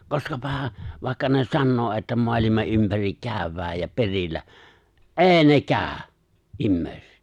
koskapahan vaikka ne sanoo että maailman ympäri käydään ja perillä ei - nekään ihmiset